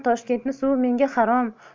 toshkentni suvi menga harom